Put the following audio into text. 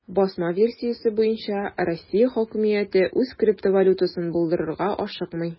Басма версиясе буенча, Россия хакимияте үз криптовалютасын булдырырга ашыкмый.